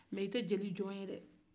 mɛ i tɛ jeli jɔn ye dɛ